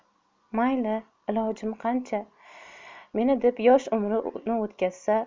mayli ilojim qancha meni deb yosh umrini o'tkazsa